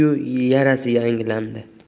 tushdi yu yarasi yangilandi